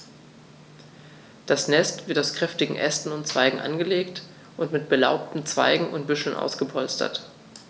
Das Nest wird aus kräftigen Ästen und Zweigen angelegt und mit belaubten Zweigen und Büscheln ausgepolstert.